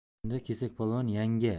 shunda kesakpolvon yanga